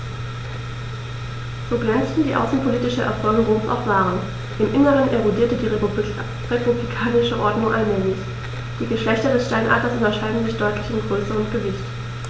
So glänzend die außenpolitischen Erfolge Roms auch waren: Im Inneren erodierte die republikanische Ordnung allmählich. Die Geschlechter des Steinadlers unterscheiden sich deutlich in Größe und Gewicht.